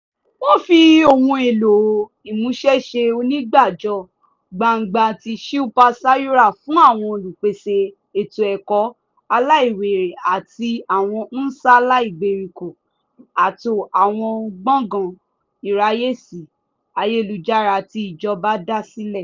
Wọ́n fi ohun èlò ìmúṣẹ́ṣe onígbàjọ-gbangba ti Shilpa Sayura fún àwọn olùpèsè ètò ẹ̀kọ́ aláìwérè àti àwọn Nansala ìgbèríko, ààtò àwọn gbọ̀ngàn ìráàyèsí ayélujára tí ìjọba dá sílẹ̀.